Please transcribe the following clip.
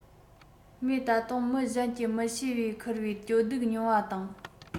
མོས ད དུང མི གཞན གྱིས མི ཤེས པའི འཁུར བའི སྐྱོ སྡུག མྱོང བ དང